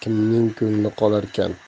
kimning ko'ngli qolarkan